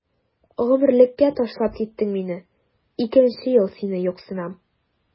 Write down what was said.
Гомерлеккә ташлап киттең мине, икенче ел сине юксынам.